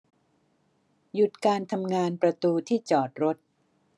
หยุดการทำงานประตูที่จอดรถ